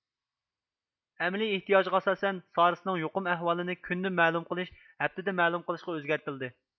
ئەمەلىي ئېھتىياجغا ئاساسەن سارسنىڭ يۇقۇم ئەھۋالىنى كۈندە مەلۇم قىلىش ھەپتىدە مەلۇم قىلىشقا ئۆزگەرتىلدى